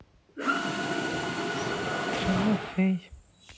страна фей